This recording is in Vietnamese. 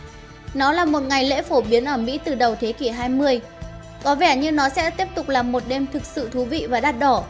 nó là một ngày lễ phổ biến ở mỹ từ đầu thế kỷ có vẻ như nó sẽ tiếp tục là một đêm thực sự thú vị và đắt đỏ